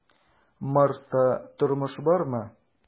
"марста тормыш бармы?"